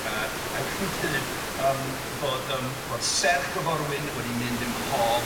A mae'n deud yym bod yym bod serch y forwyn wedi mynd ym mhob